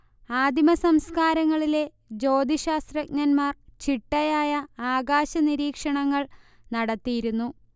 ആദിമസംസ്കാരങ്ങളിലെ ജ്യോതിശ്ശാസ്ത്രജ്ഞന്മാർ ചിട്ടയായ ആകാശനിരീക്ഷണങ്ങൾ നടത്തിയിരുന്നു